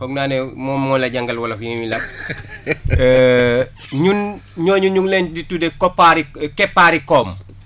foog naa ne yow moom moola jàngal wolof yi ñuy làkk ñun ñooñu ñu ngi leen di tuddee keppaari koom